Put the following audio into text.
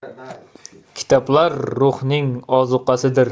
kitoblar ruhning ozuqasidir